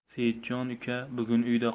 seitjon uka bugun uyda